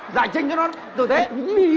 giải thích cho nó tử tế